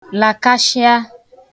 làkashịa